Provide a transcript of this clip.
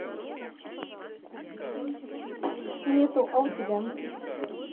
нету а у тебя